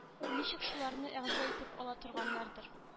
Ничек шуларны әгъза итеп ала торганнардыр